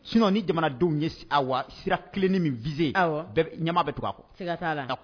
Sinon ni jamanadenw ye wa sira kilenen mini visé ɲɛma bɛ tugu a kɔ.